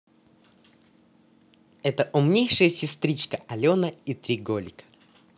это умнейшая сестричка алена и три голика